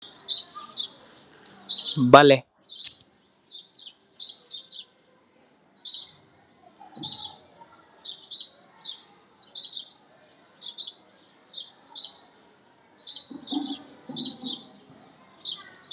Amb balleh lah bung dey settalle kerr